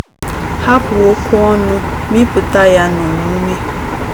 Hapụ okwu ọnụ mepụta ya n'omume.